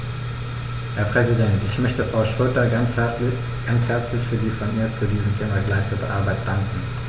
Herr Präsident, ich möchte Frau Schroedter ganz herzlich für die von ihr zu diesem Thema geleistete Arbeit danken.